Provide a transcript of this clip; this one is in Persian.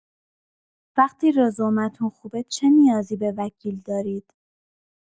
وقتی رزومه اتون خوبه چه نیازی به وکیل دارید!